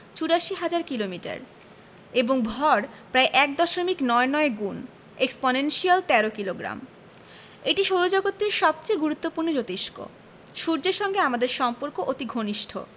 ৮৪ হাজার কিলোমিটার এবং ভর প্রায় এক দশমিক নয় নয় গুন এক্সপনেনশিয়াল ১৩ কিলোগ্রাম এটি সৌরজগতের সবচেয়ে গুরুত্বপূর্ণ জোতিষ্ক সূর্যের সঙ্গে আমাদের সম্পর্ক অতি ঘনিষ্ঠ